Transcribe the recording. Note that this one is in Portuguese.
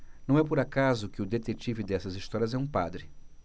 não é por acaso que o detetive dessas histórias é um padre